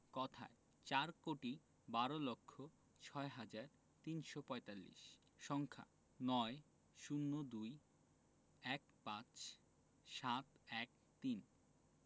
কথায় চার কোটি বারো লক্ষ ছয় হাজার তিনশো পঁয়তাল্লিশ সংখ্যা ৯০২১৫৭১৩